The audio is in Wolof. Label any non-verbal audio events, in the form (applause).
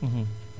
(hesitation) (hesitation)